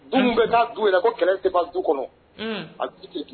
Du minnu bɛ yen k'a du ko kɛlɛ tɛ ban du kɔnɔ. Unhun. A